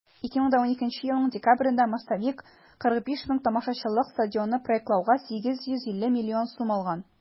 2012 елның декабрендә "мостовик" 45 мең тамашачылык стадионны проектлауга 850 миллион сум алган.